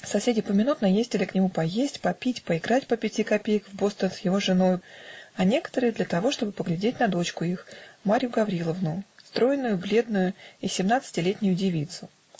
соседи поминутно ездили к нему поесть, попить, поиграть по пяти копеек в бостон с его женою, а некоторые для того, чтоб поглядеть на дочку их, Марью Гавриловну, стройную, бледную и семнадцатилетнюю девицу.